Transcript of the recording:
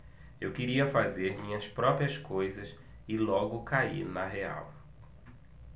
eu queria fazer minhas próprias coisas e logo caí na real